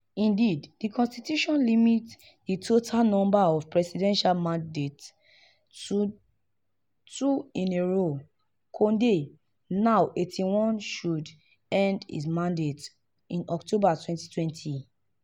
Indeed, the constitution limits the total number of presidential mandates to two in a row. Condé, now 81, should end his mandate in October 2020.